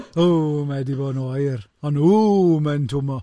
O, mae 'di bod yn oer, ond ww mae'n tw'mo.